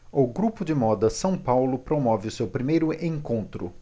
o grupo de moda são paulo promove o seu primeiro encontro